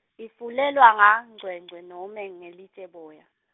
Ifulelwa ngangcwengcwe nome ngelitjeboya?